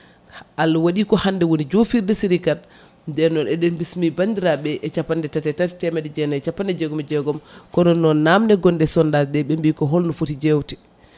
Allah waɗi o hande woni jofirde série 4 nden noon eɗen bismi bandiraɓe e capanɗe tati e tati temedde jeenayyi e capanɗe jeegom e jeegom ko noon namde gonɗe sondage ɗe ɓe mbi ko halno foti jewte